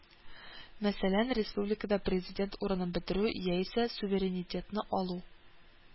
Мәсәлән республикада президент урынын бетерү, яисә суверенитетны алу